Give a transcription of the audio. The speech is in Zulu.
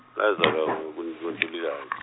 ngazalwa ngo- ngoNtulukazi.